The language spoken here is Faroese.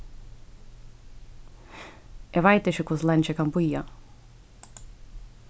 eg veit ikki hvussu leingi eg kann bíða